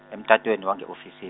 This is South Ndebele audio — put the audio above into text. emtatweni wange ofisi-.